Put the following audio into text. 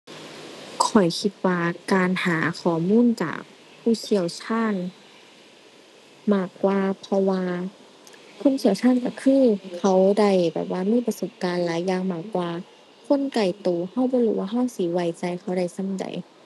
ข้อยคิดว่าการหาข้อมูลจากผู้เชี่ยวชาญมากกว่า เพราะว่าคนเชี่ยวชาญก็คือเขาได้แบบว่ามีประสบการณ์หลายอย่างมากกว่า คนใกล้ก็ก็บ่รู้ว่าก็สิไว้ใจเขาได้ส่ำใด